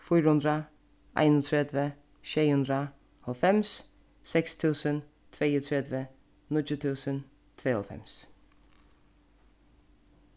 fýra hundrað einogtretivu sjey hundrað hálvfems seks túsund tveyogtretivu níggju túsund tveyoghálvfems